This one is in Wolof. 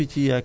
absolument